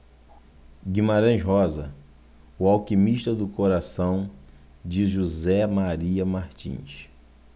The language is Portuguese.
guimarães rosa o alquimista do coração de josé maria martins